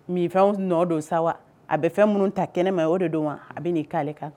Mɛ fɛn nɔ don sa wa a bɛ fɛn minnu ta kɛnɛ ma o de don ma a bɛ n'i k' ale kan